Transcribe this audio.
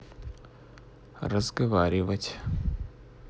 разговаривать